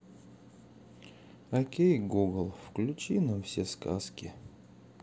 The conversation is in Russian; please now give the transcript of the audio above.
окей гугл включите нам все сказки